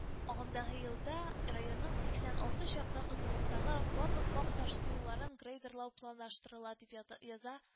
Агымдагы елда районның сиксэн алты чакрым озынлыктагы барлык вак ташлы юлларын грейдерлау планлаштырыла, дип ята яза